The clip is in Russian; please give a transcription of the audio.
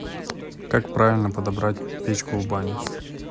как правильно подобрать печку в баню